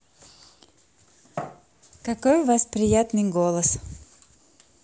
какой у вас приятный голос